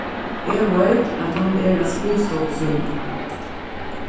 eg veit at hann er á skrivstovu síni